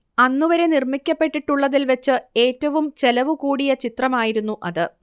അന്നുവരെ നിർമ്മിക്കപ്പെട്ടിട്ടുള്ളതിൽവച്ച് ഏറ്റവും ചെലവുകൂടിയ ചിത്രമായിരുന്നു അത്